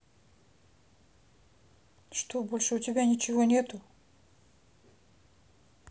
что больше у тебя ничего нету